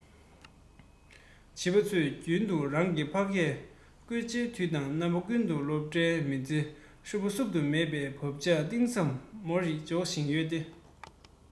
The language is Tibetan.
བྱིས པ ཚོས རྒྱུན དུ རང གི ཕ སྐད བཀོལ སྤྱོད དུས དང རྣམ པ ཀུན ཏུ སློབ གྲྭའི མི ཚེ ཧྲིལ པོར བསུབ ཏུ མེད པའི བག ཆགས གཏིང ཟབ མོ རེ འཇོག གིན ཡོད དེ